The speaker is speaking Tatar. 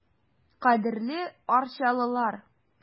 Кадерле арчалылар!